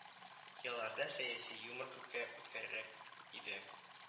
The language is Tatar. Елларда сәяси юмор күпкә үткерерәк иде